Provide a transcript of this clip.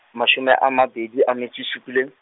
mashome a mabedi a metso e supileng.